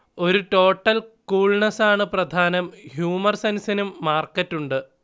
ഒരു ടോട്ടൽ കൂൾനെസ്സാണ് പ്രധാനം ഹ്യൂമര്‍സെൻസിനും മാർക്കറ്റുണ്ട്